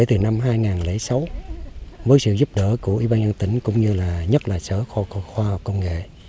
kể từ năm hai nghìn lẻ sáu với sự giúp đỡ của ủy ban nhân dân tỉnh cũng như là nhất là sở khoa học công nghệ